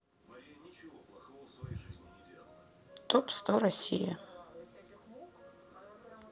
топ сто россия